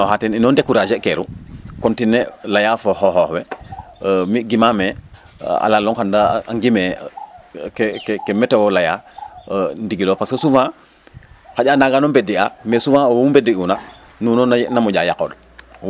yo'nooaxa teen ino décourager ke ru kontine layaa fo xooxoox we mi gima mee ke metewo laya ndigil lo parce que souvent xaƴa a nangaan no mbedi'aa mais souvent wu mbedi'uuna nun na moƴa o yaqooɗ